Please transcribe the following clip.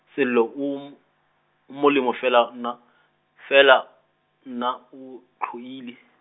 Sello o m-, o molemo fela nna, fela, nna o tlhoile.